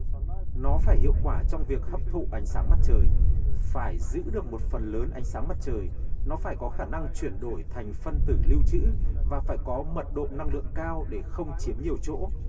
nó phải hiệu quả trong việc hấp thụ ánh sáng mặt trời phải giữ được một phần lớn ánh sáng mặt trời nó phải có khả năng chuyển đổi thành phân tử lưu trữ và phải có mật độ năng lượng cao để không chiếm nhiều chỗ